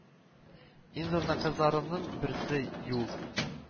Иң зур наказларымның берсе юл